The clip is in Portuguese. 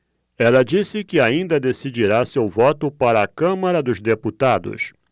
ela disse que ainda decidirá seu voto para a câmara dos deputados